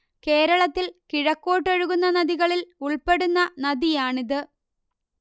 കേരളത്തിൽ കിഴക്കോട്ടൊഴുകുന്ന നദികളിൽ ഉൾപ്പെടുന്ന നദിയാണിത്